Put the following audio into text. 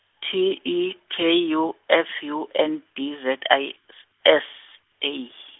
T, E, K, U, F, U, N, D, Z, I, s- S, A.